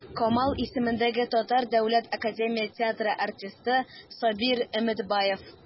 Камал исемендәге Татар дәүләт академия театры артисты Сабир Өметбаев.